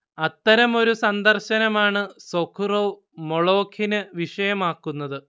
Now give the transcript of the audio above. അത്തരമൊരു സന്ദർശനമാണ് സൊഖുറോവ് 'മൊളോഖി'ന് വിഷയമാക്കുന്നത്